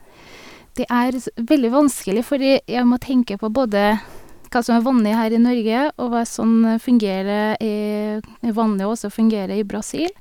Det er s veldig vanskelig, fordi jeg må tenke på både hva som er vanlig her i Norge, og hva som fungerer i er vanlig også fungerer i Brasil.